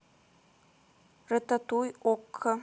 рататуй окко